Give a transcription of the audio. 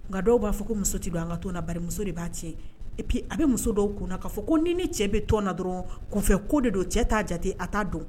Nka dɔw b'a fɔ ko muso tɛ don an ka bamuso de b'a tiɲɛpi a bɛ muso dɔw kun k'a fɔ ko ni ni cɛ bɛ tɔn na dɔrɔn kun kɔfɛ ko de don cɛ t'a jate a t'a don